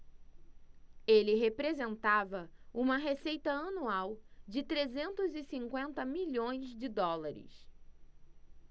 ele representava uma receita anual de trezentos e cinquenta milhões de dólares